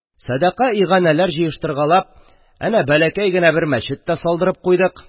Садака-иганәләр җыештыргалап, әнә бәләкәй генә бер мәчет тә салдырып куйдык